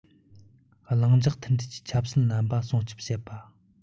ལྷིང འཇགས མཐུན སྒྲིལ གྱི ཆབ སྲིད རྣམ པ སྲུང སྐྱོང བྱེད པ